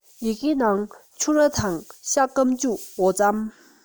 ཡི གེའི ནང ཕྱུར ར དང ཤ སྐམ འོ ཕྱེ